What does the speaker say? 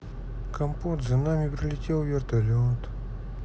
компот за нами прилетел вертолет